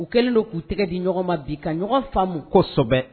U kɛlen don ku tɛgɛ di ɲɔgɔn ma bi ka ɲɔgɔn faamu kosɛbɛ